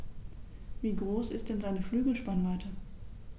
Wie groß ist denn seine Flügelspannweite?